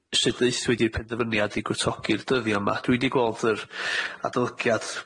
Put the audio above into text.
sut ddeuthwyd i'r penderfyniad i gwtogi'r dyddia' 'ma. Dwi 'di gweld yr adolygiad